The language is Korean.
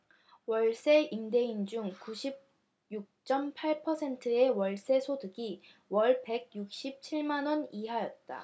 월세 임대인 중 구십 육 쩜 팔 퍼센트의 월세소득이 월 백 육십 칠 만원 이하였다